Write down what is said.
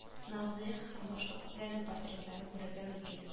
Мафдых һәм башка күпләрнең портретларын күрергә мөмкин